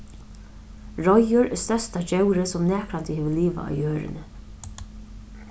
royður er størsta djórið sum nakrantíð hevur livað á jørðini